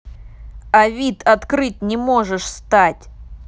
а вид открыть не можешь стать